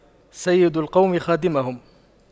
سيد القوم خادمهم